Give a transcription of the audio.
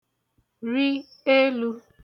rị elū